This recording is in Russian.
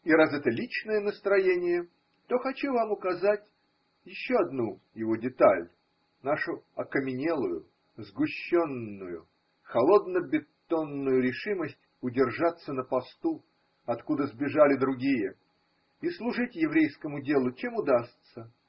И раз это личное настроение, то хочу вам указать еще одну его деталь: нашу окаменелую, сгущенную, холодно бетонную решимость удержаться на посту, откуда сбежали другие, и служить еврейскому делу чем удастся.